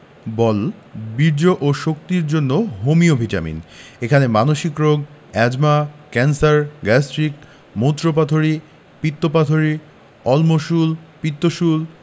বল বীর্য ও শক্তির জন্য হোমিও ভিটামিন এখানে মানসিক রোগ এ্যজমা ক্যান্সার গ্যাস্ট্রিক মুত্রপাথড়ী পিত্তপাথড়ী অম্লশূল পিত্তশূল